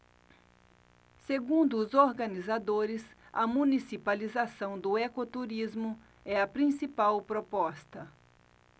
segundo os organizadores a municipalização do ecoturismo é a principal proposta